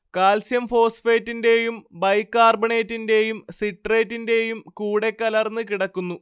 calcium ഫോസ്ഫേറ്റിന്റേയും ബൈകാർബണേറ്റിന്റേയും സിട്രേറ്റിന്റേയും കൂടെക്കലർന്ന് കിടക്കുന്നു